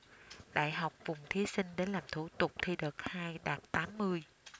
đại học vùng thí sinh đến làm thủ tục thi đợt hai đạt tám mươi